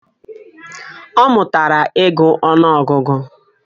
Ọ mụtara ịgụ ọnụọgụgụ